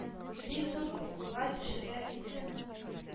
Бик зур куркуга төшергән иде.